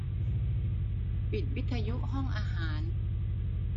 ปิดวิทยุห้องอาหาร